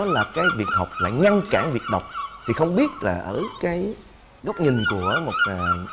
đó là cái việc học lại ngăn cản việc đọc thì không biết là ở cái góc nhìn của một